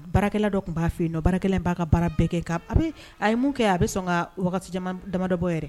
Baarakɛ dɔ tun b'a fɛ yeno baarakɛ b'a ka baara bɛɛ kɛ a ye mun kɛ a bɛ sɔn ka damadɔbɔ yɛrɛ